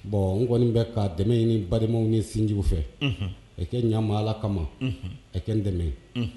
Bon n kɔniɔni bɛ ka dɛmɛ ni balimaw ni sinjugu fɛ e kɛ ɲa kama kɛ n dɛmɛ